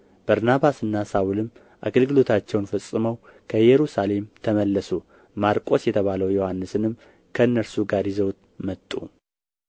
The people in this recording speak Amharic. በርናባስና ሳውልም አገልግሎታቸውን ፈጽመው ከኢየሩሳሌም ተመለሱ ማርቆስ የተባለውን ዮሐንስንም ከእነርሱ ጋር ይዘውት መጡ